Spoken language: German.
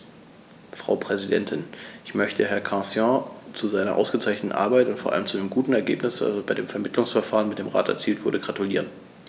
Frau Präsidentin, ich möchte Herrn Cancian zu seiner ausgezeichneten Arbeit und vor allem zu dem guten Ergebnis, das bei dem Vermittlungsverfahren mit dem Rat erzielt wurde, gratulieren.